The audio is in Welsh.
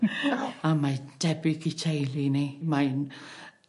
O mae debyg i teulu ni mae'n